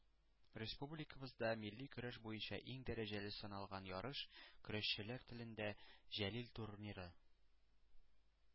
Республикабызда милли көрәш буенча иң дәрәҗәле саналган ярыш көрәшчеләр телендә – «Җәлил турниры»